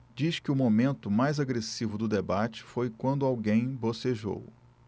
diz que o momento mais agressivo do debate foi quando alguém bocejou